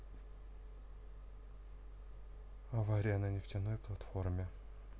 авария на нефтяной платформе bp